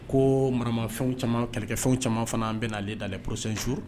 Ko maramafɛn caman kɛlɛkɛfɛnw caman fana bɛna ale dalen psensuru